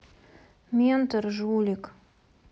ментор жулик